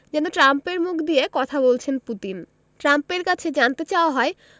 যেন ট্রাম্পের মুখ দিয়ে কথা বলছেন পুতিন ট্রাম্পের কাছে জানতে চাওয়া হয়